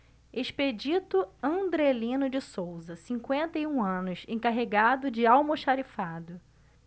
expedito andrelino de souza cinquenta e um anos encarregado de almoxarifado